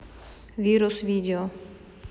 вирус видео